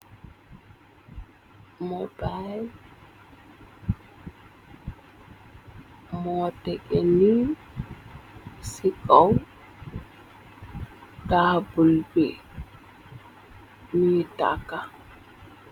Mobile mo tegeni ci kaw tabul bi, mungi taka.